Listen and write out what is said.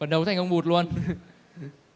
phấn đấu thành ông bụt luôn